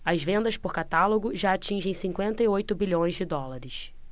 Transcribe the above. as vendas por catálogo já atingem cinquenta e oito bilhões de dólares